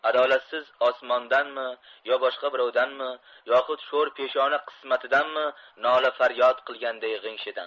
adolatsiz osmondanmi yo boshqa birovdanmi yoxud sho'rpeshona qismatidanmi nola faryod qilganday g'ingshidi